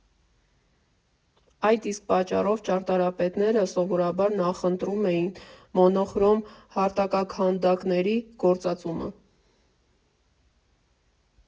Այդ իսկ պատճառով ճարտարապետները սովորաբար նախընտրում էին մոնոխրոմ հարթաքանդակների գործածումը։